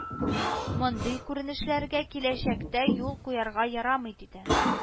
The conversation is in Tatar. Мондый күренешләргә киләчәктә юл куярга ярамый, диде